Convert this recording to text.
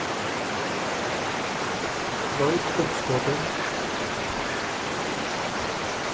broyt uppskotið